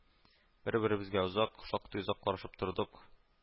Бер-беребезгә озак, шактый озак карашып тордык